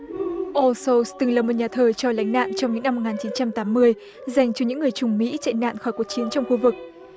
ô sâu từng là một nhà thờ cho lánh nạn trong những năm một ngàn chín trăm tám mươi dành cho những người trung mỹ chạy nạn khỏi cuộc chiến trong khu vực